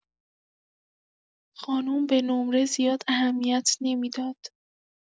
خانم به نمره زیاد اهمیت نمی‌داد.